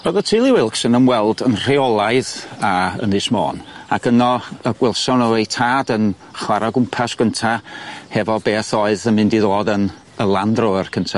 O'dd y teulu Wilks yn ymweld yn rheolaidd â Ynys Môn ac yno y gwelson n'w ei tad yn chwarae o gwmpas gynta hefo beth oedd yn mynd i ddod yn y Land Rover cynta.